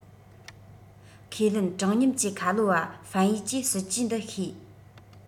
ཁས ལེན དྲང སྙོམས ཀྱི ཁ ལོ བ ཧྥན ཡུས གྱིས སྲིད ཇུས འདི ཤེས